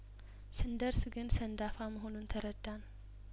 ስንደርስ ግን ሰንዳፋ መሆኑን ተረዳን